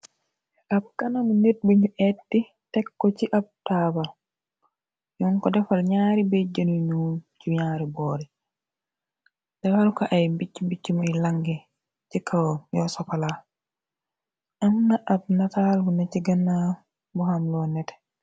Ab kanam bi nit buñu etti tekko ci ab taabal, nyon ko defar ñaari bëj jën yu ñuul si ñaari boore yi, defar ko ay mbicc mbicc muy lànge ci kaw yo sokola, ëmna ab nataal bu na ci gënnaaw bu hamlo nete.